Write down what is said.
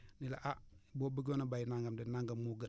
ne la ah boo bëggoon a béy nangam de nangam a gën